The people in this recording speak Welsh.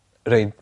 roi